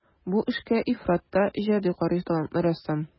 Бу эшкә ифрат та иҗади карый талантлы рәссам.